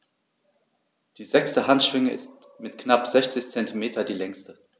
Die sechste Handschwinge ist mit knapp 60 cm die längste.